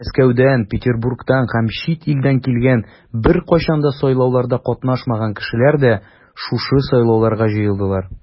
Мәскәүдән, Петербургтан һәм чит илдән килгән, беркайчан да сайлауларда катнашмаган кешеләр дә шушы сайлауларга җыелдылар.